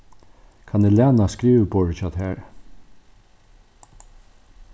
kann eg læna skriviborðið hjá tær